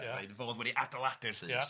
fo o'dd wedi adeiladu'r llys... Ia...